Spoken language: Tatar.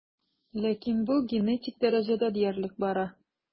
Ләкин бу генетик дәрәҗәдә диярлек бара.